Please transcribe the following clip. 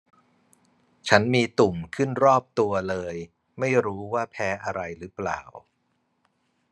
ฉันมีตุ่มขึ้นรอบตัวเลยไม่รู้ว่าแพ้อะไรหรือเปล่า